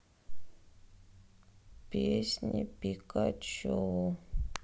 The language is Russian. песни пикачу